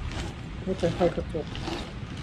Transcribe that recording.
ลดแสงไฟกระจก